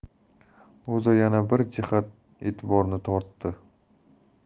o'za yana bir jihat e'tiborni tortdi